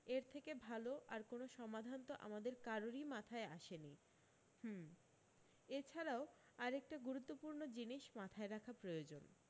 এর থেকে ভাল আর কোনো সমাধান তো আমাদের আর কারোরী মাথায় আসেনি হমম এ ছাড়াও আরেকটা গুরুত্বপূর্ণ জিনিস মাথায় রাখা প্রয়োজন